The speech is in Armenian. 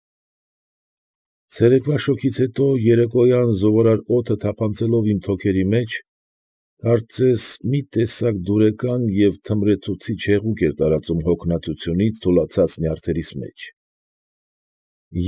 Ցերեկվա շոգից հետո երեկոյան զովարար օդը թափանցելով իմ թոքերի մեջ, կարծես, մի տեսակ դուրեկան և թմրեցուցիչ հեղուկ էր տարածում հոգնածությունից թուլացած նյարդերիս մեջ։